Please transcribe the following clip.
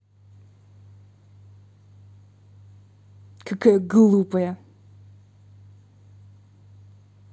какая глупая